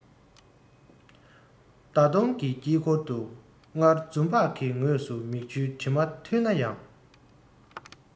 ཟླ གདོང གི དཀྱིལ འཁོར དུ སྔར འཛུམ བག གི ངོས སུ མིག ཆུའི དྲི མ འཐུལ ན ཡང